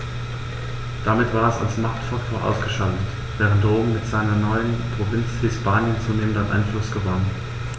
Damit war es als Machtfaktor ausgeschaltet, während Rom mit seiner neuen Provinz Hispanien zunehmend an Einfluss gewann.